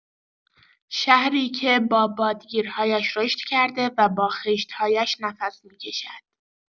شهری که با بادگیرهایش رشد کرده و با خشت‌هایش نفس می‌کشد.